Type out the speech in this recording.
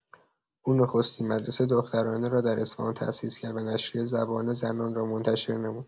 او نخستین مدرسه دخترانه را در اصفهان تأسیس کرد و نشریه «زبان زنان» را منتشر نمود؛